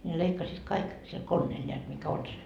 ne leikkasivat kaikki sillä koneella näet mikä on se